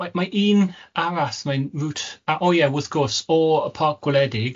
Mae mae un arall mae'n route a- o ie wrth gwrs o y parc gwledig